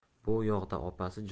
bu yoqda opasi